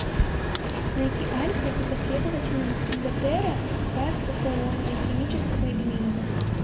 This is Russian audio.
найти альфа и последовательным бэтэра спад полония химического элемента